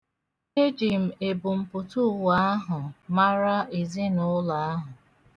Eji m ebumputụụwa ahụ mara ezinụụlọ ahụ.